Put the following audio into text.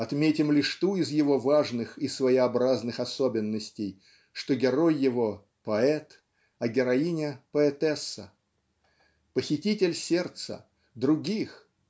Отметим лишь ту из его важных и своеобразных особенностей что герой его поэт, а героиня поэтесса. Похититель сердца других